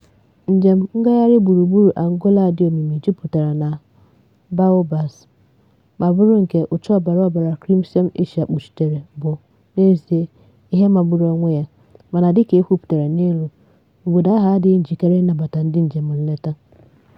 Njem ngagharị gburugburu Angola a dị omimi jupụtara na baobabs ma bụrụ nke ụcha ọbara ọbara Crimson Acacia kpuchitere bụ, n'ezie, ihe magburu onwe ya, mana dịka e kwupụtara n'elu, obodo ahụ adịghị njikere ịnabata ndị njem nleta.